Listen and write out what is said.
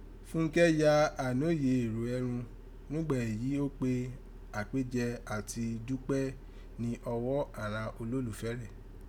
Funkẹ yà àìnóye èrò ẹrun nùgbà èyí o pè àpèjẹ ati dúpẹ́ ni ọwọ àghan ololufẹ rẹ̀.